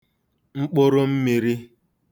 mkpụrụmmīrī